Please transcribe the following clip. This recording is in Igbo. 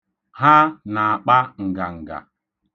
Ha na-akpa nganga.